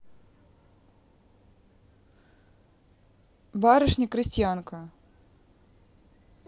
барышня крестьянка